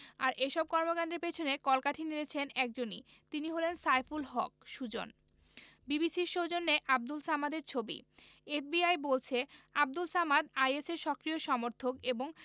আর এসব কর্মকাণ্ডের পেছনে কলকাঠি নেড়েছেন একজনই তিনি হলেন সাইফুল হক সুজন বিবিসির সৌজন্যে আবদুল সামাদের ছবি এফবিআই বলছে আবদুল সামাদ আইএসের সক্রিয় সমর্থক এবং